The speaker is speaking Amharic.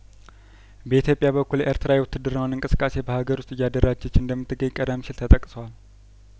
በኢትዮጵያ በኩል ኤርትራ የውትድርናውን እንቅስቃሴ በሀገር ውስጥ እያደራጀች እንደምት ገኝ ቀደም ሲልም ተጠቅሷል